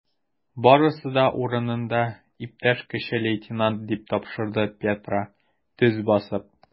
Барысы да урынында, иптәш кече лейтенант, - дип тапшырды Петро, төз басып.